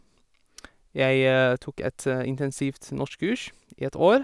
Jeg tok et intensivt norskkurs i et år.